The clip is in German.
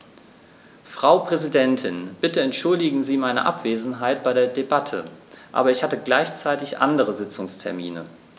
Frau Präsidentin, bitte entschuldigen Sie meine Abwesenheit bei der Debatte, aber ich hatte gleichzeitig andere Sitzungstermine.